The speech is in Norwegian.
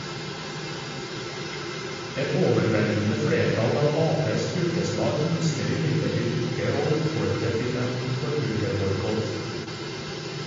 Et overveldende flertall av Aps fylkeslag ønsker imidlertid ikke å oppfordre til en forbrukerboikott.